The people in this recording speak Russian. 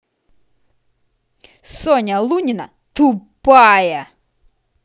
соня лунина тупая